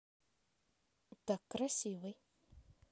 так красивый